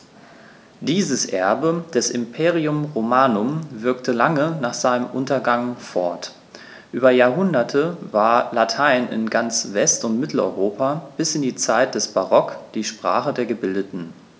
Dieses Erbe des Imperium Romanum wirkte lange nach seinem Untergang fort: Über Jahrhunderte war Latein in ganz West- und Mitteleuropa bis in die Zeit des Barock die Sprache der Gebildeten.